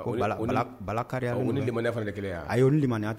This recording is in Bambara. Bala a y'limani